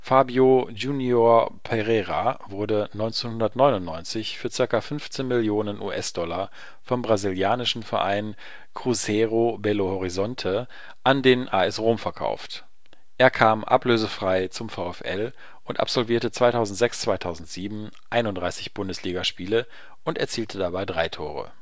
Fábio Júnior Pereira, wurde 1999 für ca. 15 Millionen US-Dollar vom brasilianischen Verein Cruzeiro Belo Horizonte an den AS Rom verkauft. Er kam ablösefrei zum VfL und absolvierte 2006/2007 31 Bundesliga-Spiele und erzielte dabei 3 Tore